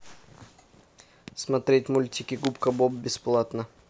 смотреть мультики губка боб бесплатно